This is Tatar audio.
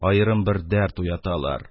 Аерым бер дәрт уяталар.